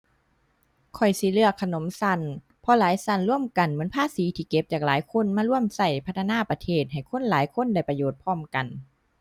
ข้อยสิเลือกขนมชั้น เพราะหลายชั้นรวมกัน เหมือนภาษีที่เก็บจากหลายคน มารวมชั้นพัฒนาประเทศ ให้คนหลายคนได้ประโยชน์พร้อมกัน